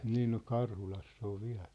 niin no Karhulassa on vielä